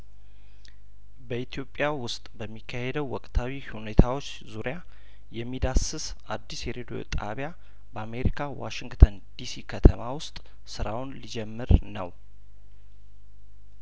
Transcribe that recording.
በኢትዮጵያ ውስጥ በሚካሄደው ወቅታዊ ሁኔታዎች ዙሪያ የሚዳስስ አዲስ የራዲዮ ጣቢያበአሜሪካ ዋሽንግተን ዲሲ ከተማ ውስጥ ስራውን ሊጀመር ነው